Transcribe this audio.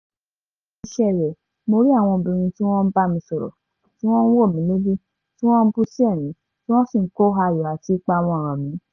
Nínú ìṣẹ́ rẹ̀, mo rí àwọn obìnrin tí wọ́n bá mi sọ̀rọ̀, tí wọ́n wò mí lójú, tí wọ́n bú sí ẹ̀rín tí wọ́n sì kó ayọ̀ àti ipá wọn ràn mí.